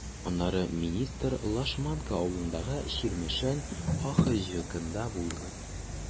Аннары министр Лашманка авылындагы “Чирмешән” АХҖКында булды.